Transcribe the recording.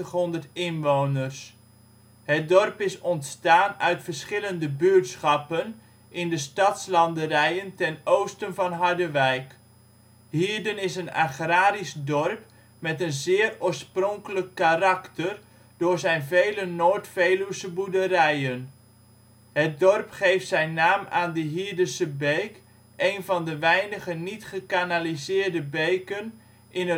2700 inwoners. Het dorp is ontstaan uit verschillende buurtschappen in de stadslanderijen ten oosten van Harderwijk. Hierden is een agrarisch dorp met een zeer oorspronkelijk karakter door zijn vele Noord-Veluwse boerderijen. Het dorp geeft zijn naam aan de Hierdense Beek, één van de weinige niet gekanaliseerde beken in